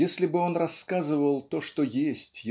если бы он рассказывал то что есть